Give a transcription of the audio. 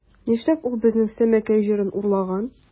Нишләп ул безнең Сәмәкәй җырын урлаган?